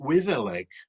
Wyddeleg